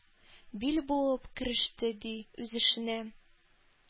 Бил буып, кереште, ди, үз эшенә.